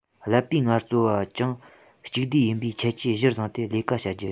ཀླད པའི ངལ རྩོལ པ ཅུང གཅིག བསྡུས ཡིན པའི ཁྱད ཆོས གཞིར བཟུང སྟེ ལས ཀ བྱ རྒྱུ